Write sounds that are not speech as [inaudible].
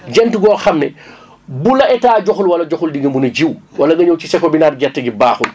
jent goo xam ne [breath] bu la état joxul wala joxul di nga mun a jiw wala nga ñëw ci seko bi naan gerte gi baaxul